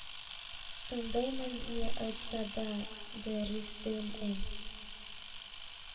Тыңдаймын, не айтса да дэ рыс дейм эн